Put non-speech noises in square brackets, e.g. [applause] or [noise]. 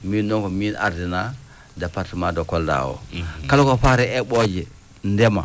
min noon ko miin ardinaa département de Kolda oo [smacks lips] kala ko faari e eɓɓooje ndema